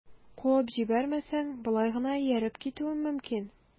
Куып җибәрмәсәң, болай гына ияреп китүем мөмкин...